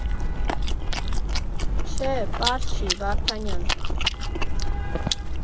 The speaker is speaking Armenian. ֊ Չէ, պարզ չի, Վարդանյան…